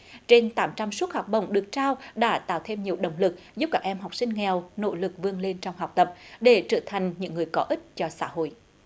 trên tám trăm suất học bổng được trao đã tạo thêm nhiều động lực giúp các em học sinh nghèo nỗ lực vươn lên trong học tập để trở thành những người có ích cho xã hội